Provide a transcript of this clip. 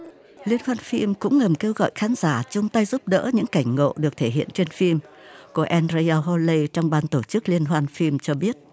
liên hoan phim cũng ngầm kêu gọi khán giả chung tay giúp đỡ những cảnh ngộ được thể hiện trên phim cô en doi ly hô lây trong ban tổ chức liên hoan phim cho biết